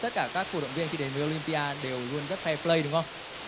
tất cả các cổ động viên khi đến với ô lim bi a đều luôn rất phe phờ lay đúng không